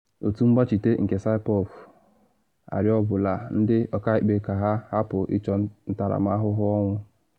Otu mgbachite nke Saipov arịọbuola ndị ọkaikpe ka ha hapụ ịchọ ntaramahụhụ ọnwụ.